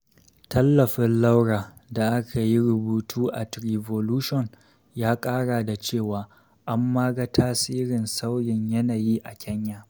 Tallafin Laura da ya yi rubutu a Treevolution, ya ƙara da cewa, an ma ga tasirin sauyin yanayi a Kenya.